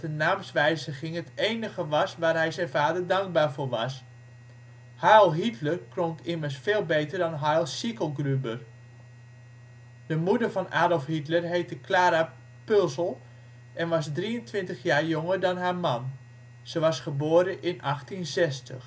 naamswijziging het enige was waar hij zijn vader dankbaar voor was. Heil Hitler klonk immers veel beter dan Heil Schicklgruber! De moeder van Adolf Hitler heette Klara Pölzl en was drieëntwintig jaar jonger dan haar man (ze was geboren in 1860